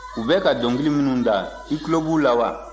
u bɛ ka dɔnkili minnu da i tulo b'u la wa